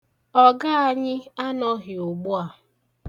Ọga anyị anọghị ugbu a.